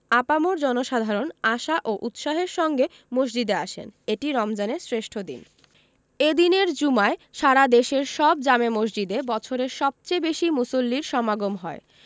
আপামর জনসাধারণ আশা ও উৎসাহের সঙ্গে মসজিদে আসেন এটি রমজানের শ্রেষ্ঠ দিন এ দিনের জুমায় সারা দেশের সব জামে মসজিদে বছরের সবচেয়ে বেশি মুসল্লির সমাগম হয়